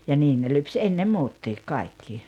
ja niin ne lypsi ennen muutkin kaikki